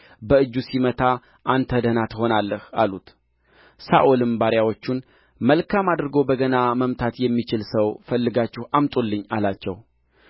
በእጁ ሲመታ አንተ ደኅና ትሆናለህ አሉት ሳኦልም ባሪያዎቹን መልካም አድርጎ በገና መምታት የሚችል ሰው ፈልጋችሁ አምጡልኝ አላቸው